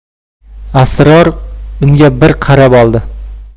asror unga bir qarab oldi